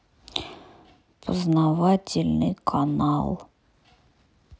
познавательный канал